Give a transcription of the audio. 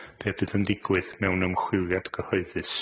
be' bydd yn digwydd mewn ymchwiliad cyhoeddus.